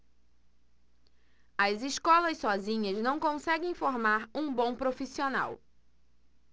as escolas sozinhas não conseguem formar um bom profissional